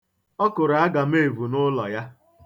Ọ kụrụ agameevu n'ụlọ ya.